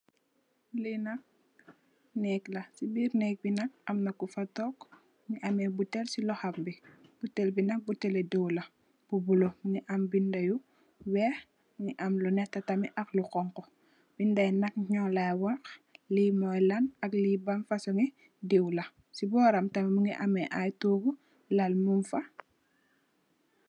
Li nak nèk la si biir nèk bi am na kufa tóóg mugii ameh butèèl si loxom bi, butèèl bi nak butèèl li diw la bu bula, mugii am bindé yu wèèx ak lu netteh tamid ak lu xonxu. Bindé yi nak ño lay wax li moy lan ak li ban fasungi diw la. Si bóram tamid mugii ameh ay tóógu la mung fa.